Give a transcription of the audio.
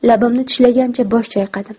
labimni tishlagancha bosh chayqadim